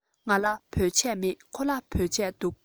ང ལ བོད ཆས མེད ཁོ ལ བོད ཆས འདུག